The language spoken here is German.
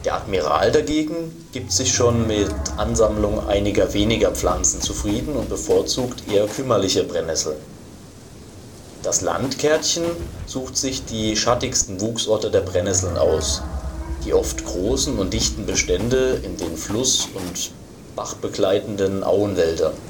Admiral dagegen gibt sich schon mit Ansammlungen einiger weniger Pflanzen zufrieden und bevorzugt eher kümmerliche Brennnesseln. Das Landkärtchen sucht sich die schattigsten Wuchsorte der Brennnessel aus, die oft großen und dichten Bestände in den fluss - und bachbegleitenden Auwäldern